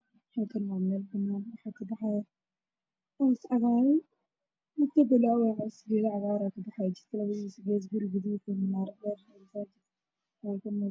Meeshaan waxaa ka muuqdo guri midab kiisa cadees yahay waxa ag taagan nin wato shaati midabkiisa yahay gaduud